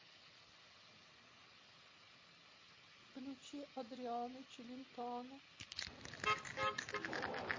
включи адриано челентано